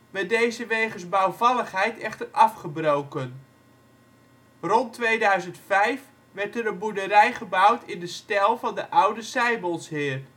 werd deze wegens bouwvalligheid echter afgebroken. Rond 2005 werd er een boerderij gebouwd in de stijl van de oude Sijboltsheerd